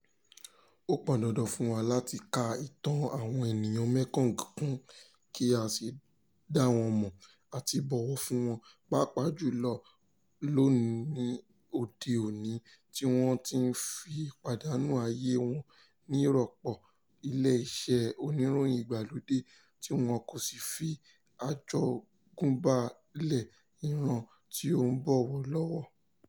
Ó pọn dandan fún wa láti ka ìtàn àwọn ènìyàn Mekong kún, kí a dá wọn mọ̀, àti bọ̀wọ̀ fún wọn, papàá jù lọ ní òde òní tí wọ́n ti ń pàdánù àyè wọn ní ìrọ́pò ilé iṣẹ́ oníròyìn ìgbàlódé, tí wọn kò sì fi àjogúnbá lé ìran tí ó ń bọ̀ lọ́wọ́.